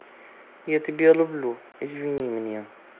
я тебя люблю извини меня